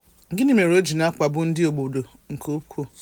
Gịnị mere o ji na-akpagbu ndị obodo nke ukwuu?